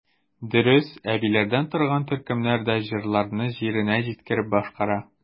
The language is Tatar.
Дөрес, әбиләрдән торган төркемнәр дә җырларны җиренә җиткереп башкара.